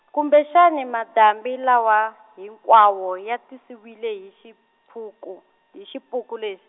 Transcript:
kumbexani madambi lawa, hinkwawo ya tisiwile hi xipuku, hi xipuku lex-.